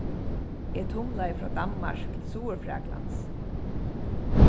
eg tumlaði frá danmark til suðurfraklands